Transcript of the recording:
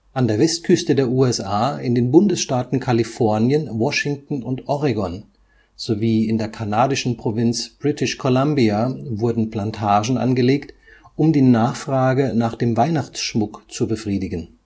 An der Westküste der USA, in den Bundesstaaten Kalifornien, Washington, und Oregon sowie in der kanadischen Provinz British Columbia wurden Plantagen angelegt, um die Nachfrage nach dem Weihnachtsschmuck zu befriedigen